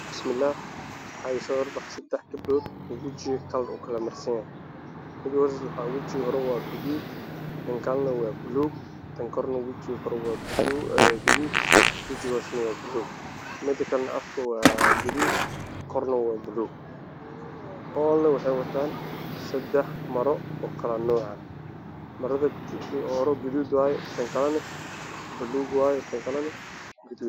Bismilaah waxa iga so hor baxay Saddex gabdhood wajiga kalar u kala marsan yahay mida u horeysa Wajiga hore wa gaduud Tan kalana wa baluug Tan korana wajiga korana Wa gaduud wajiga hoose wa baluug mida kalana Afka wa gaduud korna wa baluug all waxay wataan saddex maro kala nooc ah